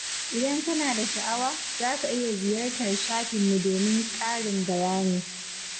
Idan kana da sha'awa, za ka iya ziyartar shafinmu domin ƙarin bayani.